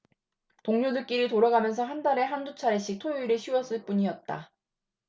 동료들끼리 돌아가면서 한 달에 한 두 차례씩 토요일에 쉬었을 뿐이었다